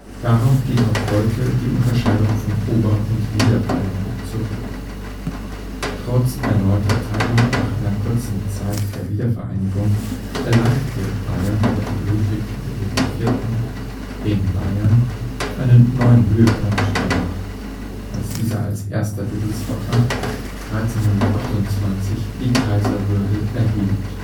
Darauf geht noch heute die Unterscheidung von Ober - und Niederbayern (vergleiche Regierungsbezirke) zurück. Trotz erneuter Teilung nach einer kurzen Zeit der Wiedervereinigung erlangte Bayern mit Ludwig IV. dem Bayern einen neuen Höhepunkt der Macht, als dieser als erster Wittelsbacher 1328 die Kaiserwürde erhielt